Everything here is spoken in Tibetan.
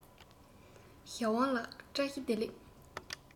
ཞའོ ཝང ལགས བཀྲ ཤིས བདེ ལེགས